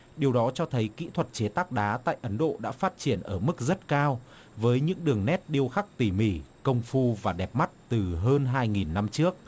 điều đó cho thấy kỹ thuật chế tác đá tại ấn độ đã phát triển ở mức rất cao với những đường nét điêu khắc tỷ mỉ công phu và đẹp mắt từ hơn hai nghìn năm trước